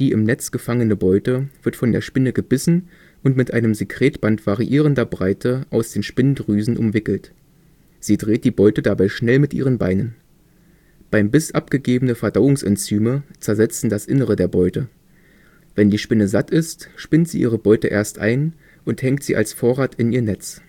im Netz gefangene Beute wird von der Spinne gebissen und mit einem Sekretband variierender Breite aus den Spinndrüsen umwickelt. Sie dreht die Beute dabei schnell mit ihren Beinen. Beim Biss abgegebene Verdauungsenzyme zersetzen das Innere der Beute. Wenn die Spinne satt ist, spinnt sie ihre Beute erst ein und hängt sie als Vorrat in ihr Netz